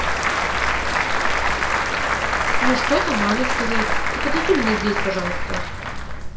ну что то маме сказать ты подожди меня здесь пожалуйста